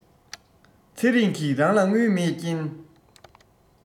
ཚེ རིང གི རང ལ དངུལ མེད རྐྱེན